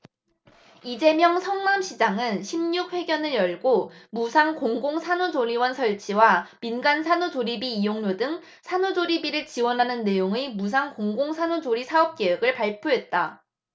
이재명 성남시장은 십 육 회견을 열고 무상 공공산후조리원 설치와 민간 산후조리비 이용료 등 산후조리비를 지원하는 내용의 무상 공공산후조리 사업계획을 발표했다